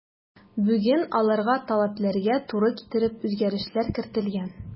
Бүген аларга таләпләргә туры китереп үзгәрешләр кертелгән.